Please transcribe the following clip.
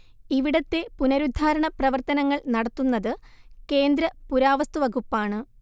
ഇവിടത്തെ പുനരുദ്ധാരണ പ്രവർത്തനങ്ങൾ നടത്തുന്നത് കേന്ദ്ര പുരാവസ്തുവകുപ്പാണ്